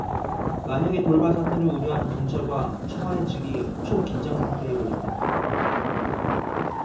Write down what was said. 만약의 돌발 사태를 우려한 경찰과 청와대 측이 초긴장상태에 돌입했다